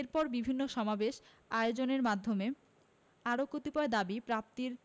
এরপর বিভিন্ন সমাবেশ আয়োজনের মাধ্যমে আরো কতিপয় দাবী প্রাপ্তির